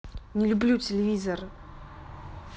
не люблю телевизор